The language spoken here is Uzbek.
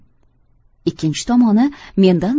ikkinchi tomoni mendan